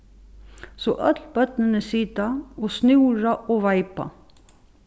so øll børnini sita og snúra og veipa